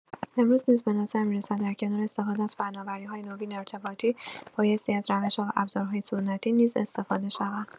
امروز نیز بنظر می‌رسد در کنار استفاده از فناوری‌های نوین ارتباطی بایستی از روش‌ها و ابزارهای سنتی نیز استفاده شود.